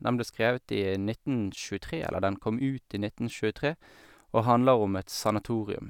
den ble skrevet i nitten tjuetre eller Den kom ut i nitten tjuetre, og handler om et sanatorium.